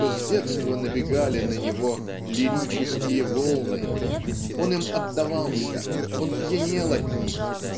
что с детства набегали на него "лирические волны" он им отдавался он пьянел от них